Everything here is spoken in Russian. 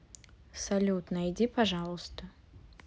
салют найди пожалуйста